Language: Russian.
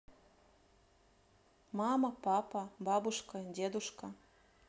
мама папа бабушка дедушка